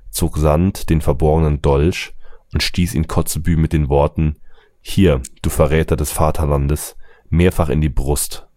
zog Sand den verborgenen Dolch und stieß ihn Kotzebue mit den Worten: „ Hier, du Verräter des Vaterlandes! “mehrfach in die Brust